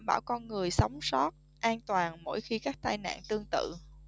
đảm con người sống sót an toàn mỗi khi bị các tai nạn tương tự